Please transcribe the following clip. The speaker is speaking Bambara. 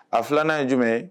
A filan ye jumɛn ye ?